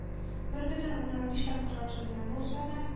Бер бөтен уннан биш тапкырга кимегән булса да.